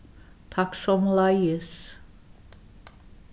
takk somuleiðis